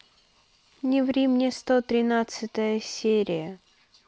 не ври мне сто тринадцатая серия